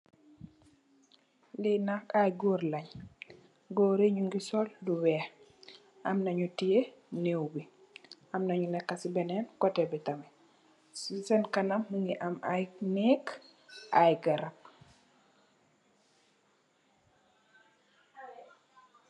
Li nak ay gór leeñ, gór yi ñu ngi sol lu wèèx am na ñu teyeh nuuw bi, am na ñu nekka ci benen koteh bi tamid ci seen kanam mugii am ay nek ay garap .